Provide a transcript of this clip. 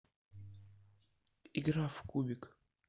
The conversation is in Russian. игра в кубик